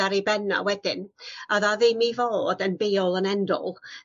ar 'i ben o wedyn oedd o ddim i fod yn be all and end all.